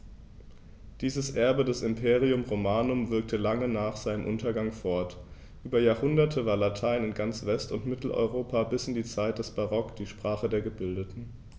Dieses Erbe des Imperium Romanum wirkte lange nach seinem Untergang fort: Über Jahrhunderte war Latein in ganz West- und Mitteleuropa bis in die Zeit des Barock die Sprache der Gebildeten.